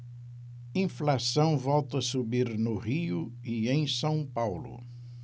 inflação volta a subir no rio e em são paulo